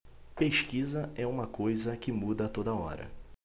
pesquisa é uma coisa que muda a toda hora